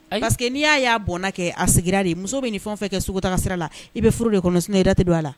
Que n'i y'a y'a bɔnna kɛ a sigira de muso bɛ fɛn fɛn kɛ sugutaa sira la i bɛ furu de kɔnɔ sun i da tɛ don a la